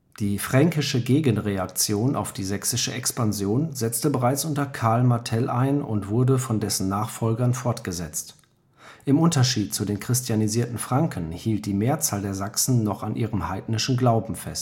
Die fränkische Gegenreaktion auf die sächsische Expansion setzte bereits unter Karl Martell ein und wurde von dessen Nachfolgern fortgesetzt. Im Unterschied zu den christianisierten Franken hielt die Mehrzahl der Sachsen noch an ihrem heidnischen Glauben